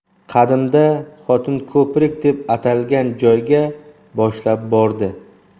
qadimda xotinko'prik deb atalgan joyga boshlab bordi